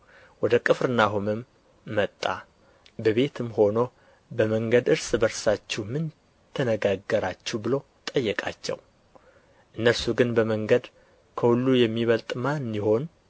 ወደ ቅፍርናሆምም መጣ በቤትም ሆኖ በመንገድ እርስ በርሳችሁ ምን ተነጋገራችሁ ብሎ ጠየቃቸው እነርሱ ግን በመንገድ ከሁሉ የሚበልጥ ማን ይሆን